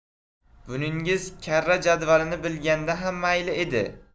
buningiz karra jadvalini bilganda ham mayli edi